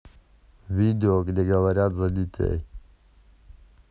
видео где говорят за детей